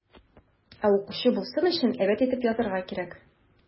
Ә укучы булсын өчен, әйбәт итеп язарга кирәк.